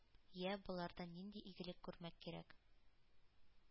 Йә, болардан нинди игелек күрмәк кирәк?!